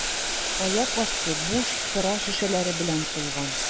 Аяк асты буш сыра шешәләре белән тулган.